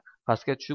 pastga tushib